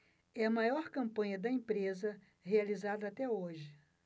é a maior campanha da empresa realizada até hoje